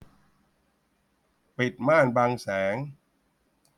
ปิดม่านบังแสง